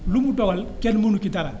lu mu dogal kenn mënu ci dara